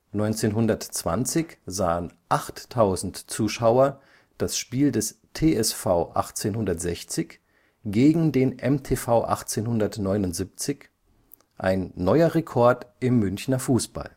1920 sahen 8.000 Zuschauer das Spiel des TSV 1860 gegen den MTV 1879, ein neuer Rekord im Münchner Fußball